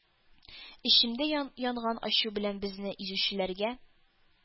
Эчемдә янган ачу белән безне изүчеләргә